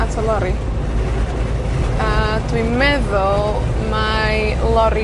at y lori. A dwi meddwl mai lori,